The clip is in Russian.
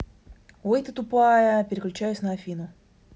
ой ты тупая переключаюсь на афину